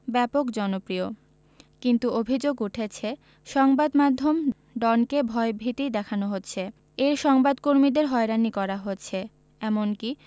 ব্যাপক জনপ্রিয় কিন্তু অভিযোগ উঠেছে সংবাদ মাধ্যম ডনকে ভয়ভীতি দেখানো হচ্ছে এর সংবাদ কর্মীদের হয়রানি করা হচ্ছে এমনকি